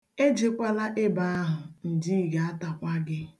E jekwala ebe ahụ, njiii ga-atakwa gị.